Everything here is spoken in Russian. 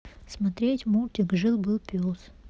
смотреть мультик жил был пес